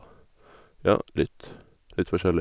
Ja, litt litt forskjellig.